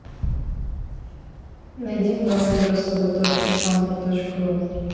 найди в браузере слаботочка сампо точка ру